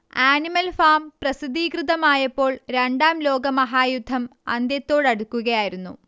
animal Farm പ്രസിദ്ധീകൃതമായപ്പോൾ രണ്ടാം ലോകമഹായുദ്ധം അന്ത്യത്തോടടുക്കുകയായിരുന്നു